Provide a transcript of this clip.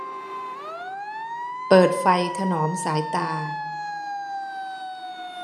เปิดไฟถนอมสายตา